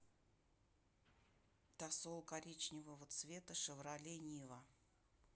тосол коричневого цвета шевроле нива